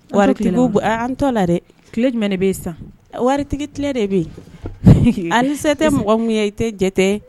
Wari an tɔ la dɛ tile jumɛn de bɛ yen san waritigi tile de bɛ yen ankisɛ tɛ mɔgɔmu ye i tɛ jɛ